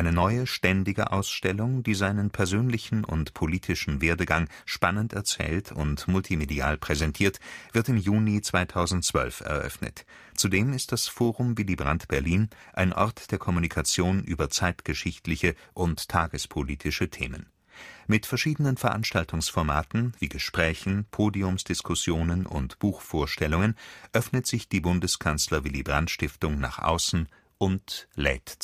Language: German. neue ständige Ausstellung, die seinen persönlichen und politischen Werdegang spannend erzählt und multimedial präsentiert, wird im Juni 2012 eröffnet. Zudem ist das Forum Willy Brandt Berlin ein Ort der Kommunikation über zeitgeschichtliche und tagespolitische Themen. Mit verschiedenen Veranstaltungsformaten, wie Gesprächen, Podiumsdiskussionen und Buchvorstellungen öffnet sich die Bundeskanzler-Willy-Brandt-Stiftung nach außen und lädt